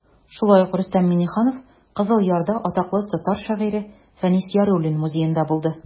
Шулай ук Рөстәм Миңнеханов Кызыл Ярда атаклы татар шагыйре Фәнис Яруллин музеенда булды.